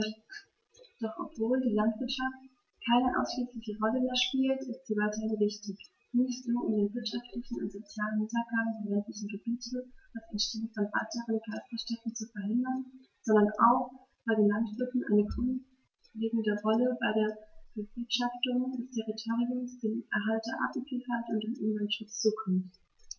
Doch obwohl die Landwirtschaft keine ausschließliche Rolle mehr spielt, ist sie weiterhin wichtig, nicht nur, um den wirtschaftlichen und sozialen Niedergang der ländlichen Gebiete und das Entstehen von weiteren Geisterstädten zu verhindern, sondern auch, weil den Landwirten eine grundlegende Rolle bei der Bewirtschaftung des Territoriums, dem Erhalt der Artenvielfalt und dem Umweltschutz zukommt.